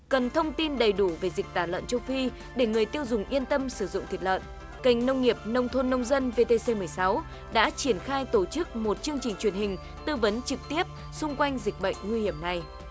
cần thông tin đầy đủ về dịch tả lợn châu phi để người tiêu dùng yên tâm sử dụng thịt lợn kênh nông nghiệp nông thôn nông dân vê tê xê mười sáu đã triển khai tổ chức một chương trình truyền hình tư vấn trực tiếp xung quanh dịch bệnh nguy hiểm này